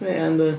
Ia. Yndi